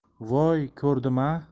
voy ko'rdim a